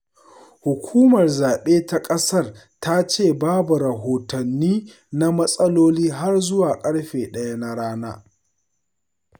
Hukumar zaɓe ta ƙasar ta ce babu rahotanni na matsaloli har zuwa ƙarfe 1 na rana.